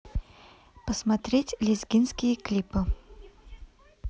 посмотреть лезгинские клипы